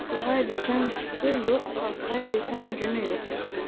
sog'ay desang suti yo'q qirqay desang juni yo'q